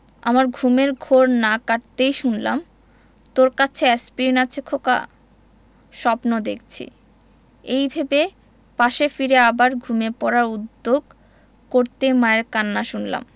আমার ঘুমের ঘোর না কাটতেই শুনলাম তোর কাছে এ্যাসপিরিন আছে খোকা স্বপ্ন দেখছি এই ভেবে পাশে ফিরে আবার ঘুমিয়ে পড়ার উদ্যোগ করতেই মায়ের কান্না শুনলাম